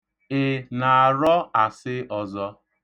Ị na-arọ asị ọzọ?